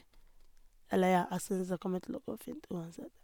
Eller, ja, jeg syns det kommer til å gå fint uansett.